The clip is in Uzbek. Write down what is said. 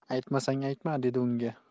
aytmasang aytma dedi unga